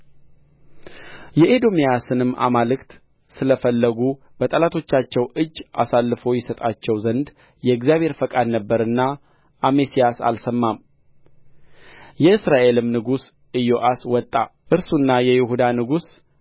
የኤዶምያስንም አማልክት ስለ ፈለጉ በጠላቶቻቸው እጅ አሳልፎ ይሰጣቸው ዘንድ የእግዚአብሔር ፈቃድ ነበረና አሜስያስ አልሰማም የእስራኤልም ንጉሥ ኢዮአስ ወጣ እርሱና የይሁዳ ንጉሥ